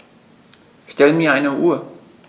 Stell mir eine Uhr.